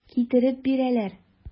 Китереп бирәләр.